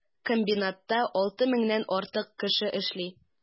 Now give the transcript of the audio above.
Комбинатта 6 меңнән артык кеше эшли.